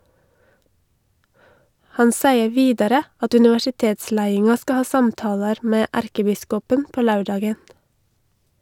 Han seier vidare at universitetsleiinga skal ha samtalar med erkebiskopen på laurdagen.